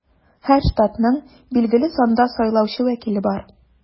Һәр штатның билгеле санда сайлаучы вәкиле бар.